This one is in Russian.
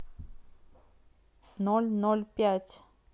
ноль ноль пять